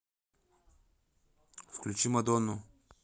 включи мадонну